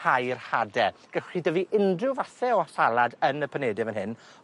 hau'r hade. Gellwch chi dyfu unryw fathe o salad yn y panede fyn hyn